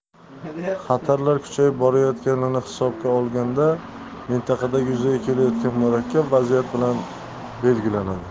xatarlar kuchayib borayotganini hisobga olganda mintaqada yuzaga kelayotgan murakkab vaziyat bilan belgilanadi